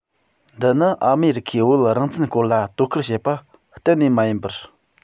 འདི ནི ཨ མེ རི ཁས བོད རང བཙན སྐོར ལ དོ ཁུར བྱེད པ གཏན ནས མ ཡིན པར